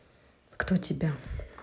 кто тебя